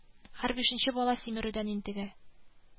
Һәр бишенче бала симерүдән интегә